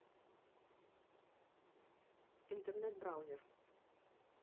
интернет браузер